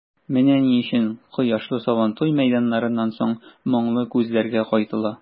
Менә ни өчен кояшлы Сабантуй мәйданнарыннан соң моңлы күзләргә кайтыла.